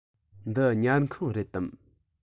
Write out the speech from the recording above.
འདི ཉལ ཁང རེད དམ